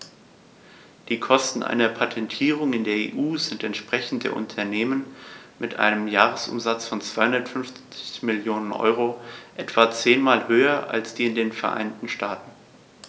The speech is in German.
Die Kosten einer Patentierung in der EU sind, entsprechend der Unternehmen mit einem Jahresumsatz von 250 Mio. EUR, etwa zehnmal höher als in den Vereinigten Staaten.